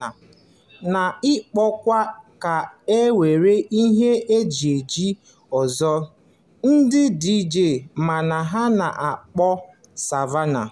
N'ikpo okwu ka e nwere ihe ejije ọzọ, ndị DJ ma ha na-akpọ "Savannah"